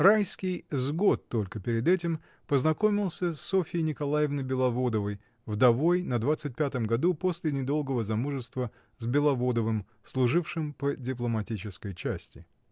Райский с год только перед этим познакомился с Софьей Николаевной Беловодовой, вдовой на двадцать пятом году, после недолгого замужества с Беловодовым, служившим по дипломатической части.